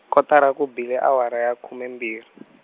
kotara ku bile awara ya khume mbirhi .